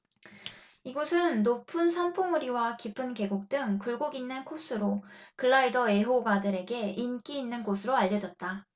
이곳은 높은 산봉우리와 깊은 계곡 등 굴곡 있는 코스로 글라이더 애호가들에게 인기 있는 곳으로 알려졌다